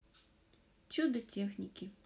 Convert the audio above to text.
чудо техники